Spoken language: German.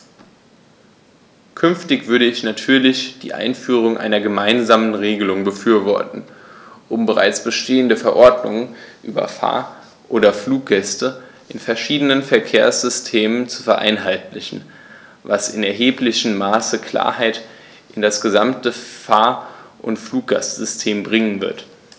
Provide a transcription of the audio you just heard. Künftig würde ich natürlich die Einführung einer gemeinsamen Regelung befürworten, um bereits bestehende Verordnungen über Fahr- oder Fluggäste in verschiedenen Verkehrssystemen zu vereinheitlichen, was in erheblichem Maße Klarheit in das gesamte Fahr- oder Fluggastsystem bringen wird.